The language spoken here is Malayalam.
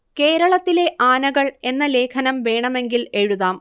കേരളത്തിലെ ആനകൾ എന്ന ലേഖനം വേണമെങ്കിൽ എഴുതാം